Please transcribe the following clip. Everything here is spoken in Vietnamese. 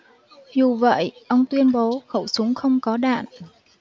dù vậy ông tuyên bố khẩu súng không có đạn